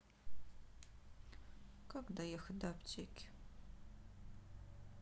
как доехать до аптеки